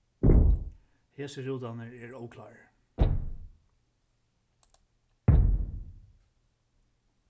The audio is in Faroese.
hesir rútarnir eru óklárir